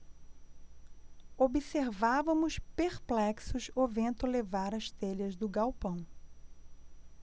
observávamos perplexos o vento levar as telhas do galpão